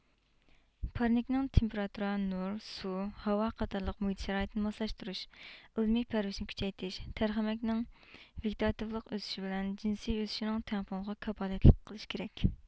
پارنىكنىڭ تېمپېراتۇرا نۇر سۇ ھاۋا قاتارلىق مۇھىت شارائىتىنى ماسلاشتۇرۇش ئىلمىي پەرۋىشنى كۈچەيتىش تەرخەمەكنىڭ ۋېگىتاتىۋلىق ئۆسۈشى بىلەن جىنسىي ئۆسۈشىنىڭ تەڭپۇڭلۇقىغا كاپالەتلىك قىلىش كېرەك